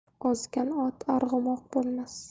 ozgan ot arg'umoq bo'lmas